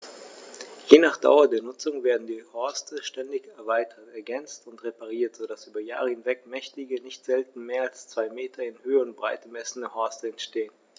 Je nach Dauer der Nutzung werden die Horste ständig erweitert, ergänzt und repariert, so dass über Jahre hinweg mächtige, nicht selten mehr als zwei Meter in Höhe und Breite messende Horste entstehen.